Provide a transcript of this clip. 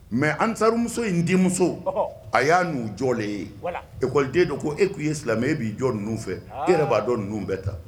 Mɛ ansarimuso in denmuso a y'a n' jɔlen ye ekɔliden do ko e tun ye silamɛ e b'i jɔ ninnu fɛ e yɛrɛ b'a dɔn ninnu bɛɛ ta